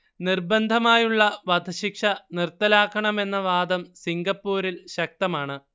നിർബന്ധമായുള്ള വധശിക്ഷ നിർത്തലാക്കണമെന്ന വാദം സിംഗപ്പുറിൽ ശക്തമാണ്